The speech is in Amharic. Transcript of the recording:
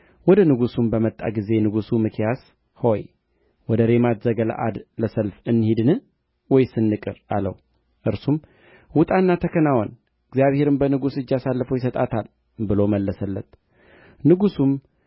ወደ ንጉሡም በመጣ ጊዜ ንጉሡ ሚክያስ ሆይ ወደ ሬማት ዘገለዓድ ለሰልፍ እንሂድን ወይስ እንቅር አለው እርሱም ውጣና ተከናወን እግዚአብሔርም በንጉሡ እጅ አሳልፎ ይሰጣታል ብሎ መለሰለት ንጉሡም